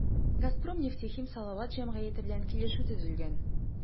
“газпром нефтехим салават” җәмгыяте белән килешү төзелгән.